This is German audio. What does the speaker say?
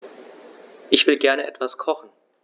Ich will gerne etwas kochen.